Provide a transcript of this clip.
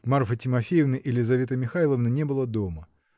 Марфы Тимофеевны и Лизаветы Михайловны не было дома.